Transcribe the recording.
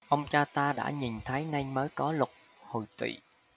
ông cha ta đã nhìn thấy nên mới có luật hồi tỵ